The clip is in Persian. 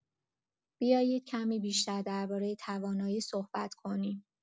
بیایید کمی بیشتر درباره توانایی صحبت کنیم.